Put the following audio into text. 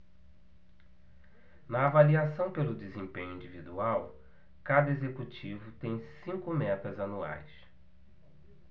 na avaliação pelo desempenho individual cada executivo tem cinco metas anuais